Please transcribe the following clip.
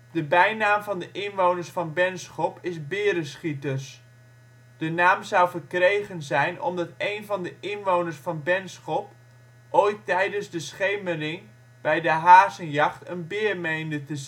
De bijnaam van de inwoners van Benschop is Bereschieters. De naam zou verkregen zijn omdat één van de inwoners van Benschop ooit tijdens de schemering bij de hazenjacht een beer meende te